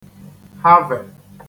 havè